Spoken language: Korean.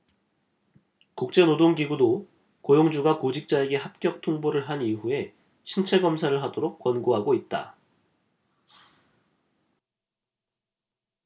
국제노동기구도 고용주가 구직자에게 합격 통보를 한 이후에 신체검사를 하도록 권고하고 있다